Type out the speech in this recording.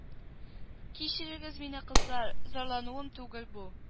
Кичерегез мине кызлар зарлануым түгел бу